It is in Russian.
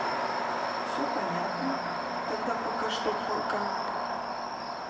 все понятно тогда пока что пока